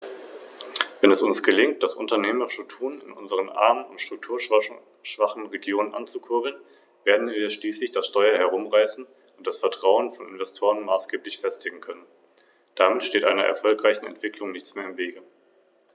Das wird durch staatliche Maßnahmen ermöglicht, und eine solche Dezentralisation der höheren Ausbildung ist nachgerade eine sinnvolle Politik für eine ausgeglichene Entwicklung.